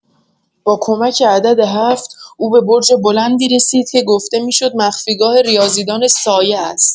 با کمک عدد ۷، او به برج بلندی رسید که گفته می‌شد مخفیگاه ریاضی‌دان سایه است.